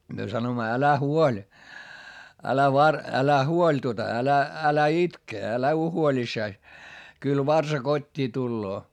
me sanoimme älä huoli älä - älä huoli tuota älä älä itke älä ole huolissasi kyllä varsa kotiin tulee